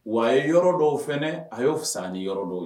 Wa a ye yɔrɔ dɔw fana a y'o fisa ni yɔrɔ dɔw ye